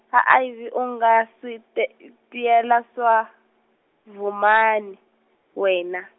ha Ivy, u nga swi ti- tiyela swa, Vhumani, wena?